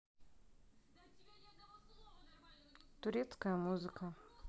турецкая музыка